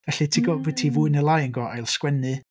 Felly ti'n gwbod... mm. ...ti fwy neu lai yn gorfod ail-sgwennu...